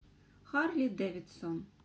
харли дэвидсон